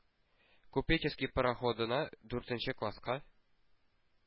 “купеческий“ пароходына, дүртенче класска